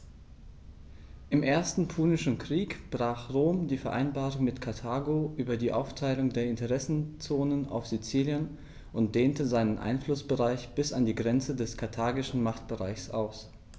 Im Ersten Punischen Krieg brach Rom die Vereinbarung mit Karthago über die Aufteilung der Interessenzonen auf Sizilien und dehnte seinen Einflussbereich bis an die Grenze des karthagischen Machtbereichs aus.